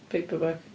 Paperback.